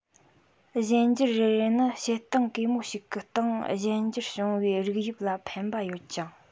གཞན འགྱུར རེ རེ ནི བྱེད སྟངས གེ མོ ཞིག གི སྟེང གཞན འགྱུར བྱུང བའི རིགས དབྱིབས ལ ཕན པ ཡོད ཀྱང